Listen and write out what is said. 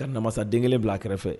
Ka namasa den kelen bila a kɛrɛfɛ